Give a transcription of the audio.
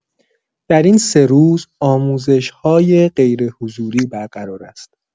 در این سه روز آموزش‌های غیرحضوری برقرار است.